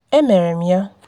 Emere m ya.